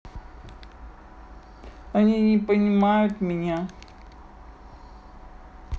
они не понимают меня